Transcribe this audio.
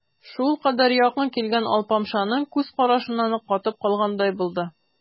Шулкадәр якын килгән алпамшаның күз карашыннан ул катып калгандай булды.